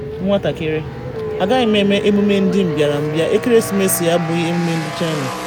Nwatakịrị: Agaghị m eme emume ndị mbịarambịa, ekeresimesi abụghị emume ndị China.